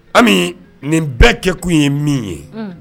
Ami nin bɛɛ kɛ kun ye min ye